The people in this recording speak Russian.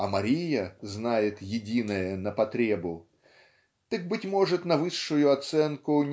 а Мария знает единое на потребу так быть может на высшую оценку